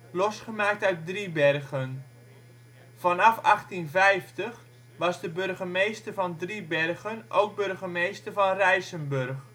losgemaakt uit Driebergen. Vanaf 1850 was de burgemeester van Driebergen ook burgemeester van Rijsenburg